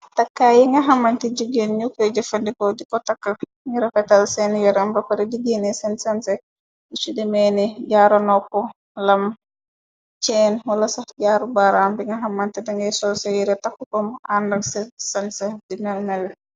Takkaay yi nga xamañte jigeen ñu koy jëfandikoo di ko tanka ngir refetal sèèn yëram bepareh di genné sèèn sanse lu si demee ni jaru noppu, lam , cèèn , wala sax jaru baraam bi nga xamante dangay sol sa yirèh takka ku àndak sanse di melmele.